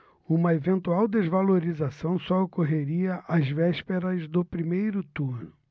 uma eventual desvalorização só ocorreria às vésperas do primeiro turno